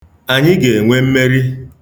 Anyị ga-enwe mmeri.